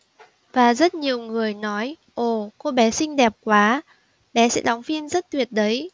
và rất nhiều người nói ồ cô bé xinh đẹp quá bé sẽ đóng phim rất tuyệt đấy